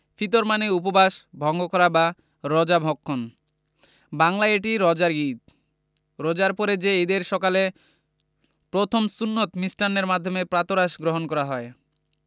ফিতর মানে উপবাস ভঙ্গ করা বা রোজা ভঙ্গন বাংলায় এটি রোজার ঈদ রোজার পরে যে ঈদের সকালে প্রথম সুন্নত মিষ্টান্নের মাধ্যমে প্রাতরাশ গ্রহণ করা হয়